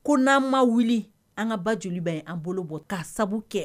Ko n'an ma wuli an ka ba joliba in , an bolo bɛ bɔ k'a sabu kɛ